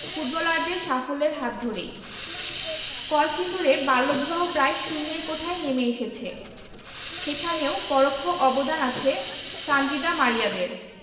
ফুটবলারদের সাফল্যের হাত ধরেই কলসিন্দুরে বাল্যবিবাহ প্রায় শূন্যের কোঠায় নেমে এসেছে সেখানেও পরোক্ষ অবদান আছে সানজিদা মারিয়াদের